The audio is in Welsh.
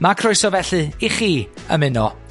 Ma' croeso, felly, i chi ymuno